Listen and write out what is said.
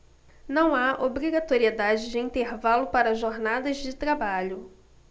não há obrigatoriedade de intervalo para jornadas de trabalho